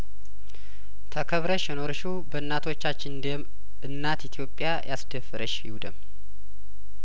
ተከብረሽ የኖርሽው በናቶቻችን ደም እናት ኢትዮጵያ ያስደፈረሽ ይውደም